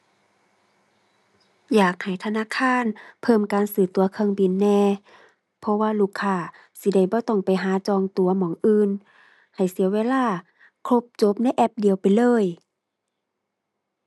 อยากให้ธนาคารเพิ่มการซื้อตั๋วเครื่องบินแหน่ เพราะว่าลูกค้าสิได้บ่ต้องไปหาจองตั๋วหม้องอื่นให้เสียเวลา ครบ จบ ในแอปเดียวไปเลย